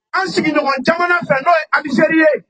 An sigiɲɔgɔn caman fɛ n'o ye a mizri ye